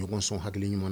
Ɲɔgɔn sɔn hakiliɲuman na